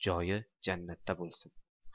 joyi jannatda bo'lsin